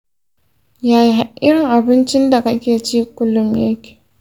yaya irin abincin da kake ci kullum yake?